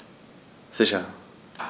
Sicher.